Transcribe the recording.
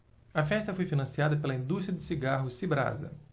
a festa foi financiada pela indústria de cigarros cibrasa